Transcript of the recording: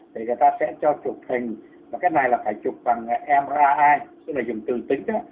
để người ta sẽ cho chụp hình và cái này là phải chụp bằng em ra ai tức là từ tính đó